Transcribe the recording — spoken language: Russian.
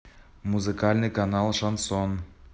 музыкальный канал шансон